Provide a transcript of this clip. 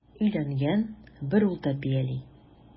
Өйләнгән, бер ул тәрбияли.